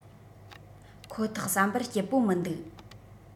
ཁོ ཐག བསམ པར སྐྱིད པོ མི འདུག